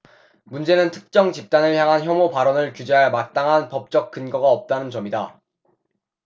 문제는 특정 집단을 향한 혐오발언을 규제할 마땅한 법적 근거가 없다는 점이다